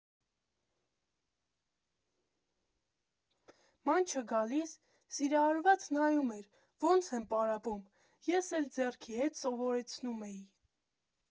Մանչը գալիս, սիրահարված նայում էր՝ ոնց եմ պարապում, ես էլ ձեռքի հետ սովորեցնում էի։